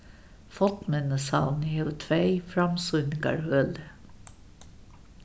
fornminnissavnið hevur tvey framsýningarhøli